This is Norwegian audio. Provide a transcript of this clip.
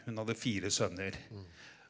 hun hadde fire sønner.